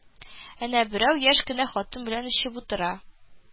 Әнә берәү яшь кенә хатын белән эчеп утыра